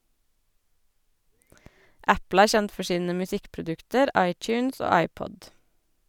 Apple er kjent for sine musikkprodukter iTunes og iPod.